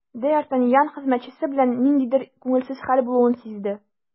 Д’Артаньян хезмәтчесе белән ниндидер күңелсез хәл булуын сизде.